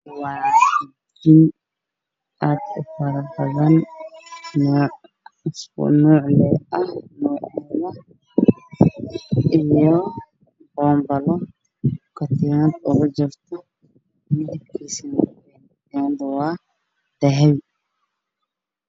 Waa katiin aad u faro badan oo isku nuuc ah iyo boonbalo katiinad kujirto katiinada midabkeedu waa dahabi.